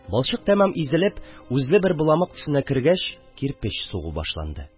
Балчык тамам изелеп үзле бер боламык төсенә кергәч, кирпеч сугу башланды